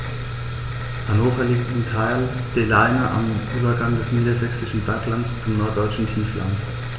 Hannover liegt im Tal der Leine am Übergang des Niedersächsischen Berglands zum Norddeutschen Tiefland.